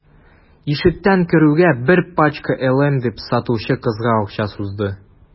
Ишектән керүгә: – Бер пачка «LM»,– дип, сатучы кызга акча сузды.